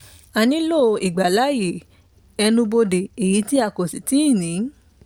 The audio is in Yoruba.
A nílò àdéhùn ìgbàláàyè ẹnu-bodè, èyí tí a kò sì tíì ní.